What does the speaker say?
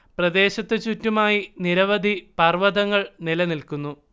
പ്രദേശത്തു ചുറ്റുമായി നിരവധി പർവതങ്ങൾ നിലനിൽക്കുന്നു